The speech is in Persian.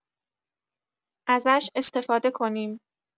ازش استفاده کنیم.